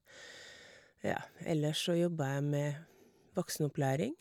Ja, ellers så jobber jeg med voksenopplæring.